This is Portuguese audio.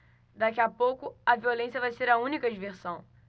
daqui a pouco a violência vai ser a única diversão